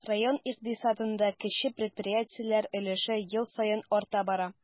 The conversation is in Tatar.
Район икътисадында кече предприятиеләр өлеше ел саен арта бара.